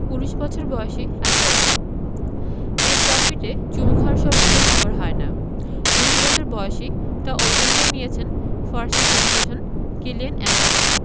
১৯ বছর বয়সেই এত অর্জন এই ট্রফিতে চুমু খাওয়ার সৌভাগ্য সবার হয় না ১৯ বছর বয়সেই তা অর্জন করে নিয়েছেন ফরাসি সেনসেশন কিলিয়ান এমবাপ্পে